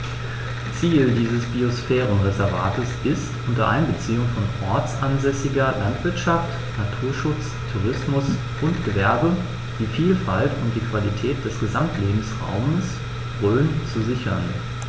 Ziel dieses Biosphärenreservates ist, unter Einbeziehung von ortsansässiger Landwirtschaft, Naturschutz, Tourismus und Gewerbe die Vielfalt und die Qualität des Gesamtlebensraumes Rhön zu sichern.